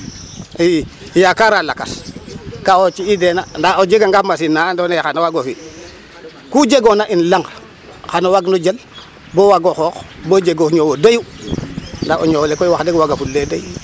II yakaara lakas ka ci'iideena ndaa o jeganga machine na andoona yee xan o waago fi' ku jegoona in lang xan o waag no jal bo waag o xoox bo jeg o ñoow o doyu ndaa o ñoow ole koy wax deg waagafulee doy.